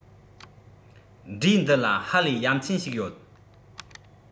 འབྲས འདི ལ ཧ ལས ཡ མཚན ཞིག ཡོད